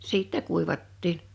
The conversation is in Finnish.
sitten kuivattiin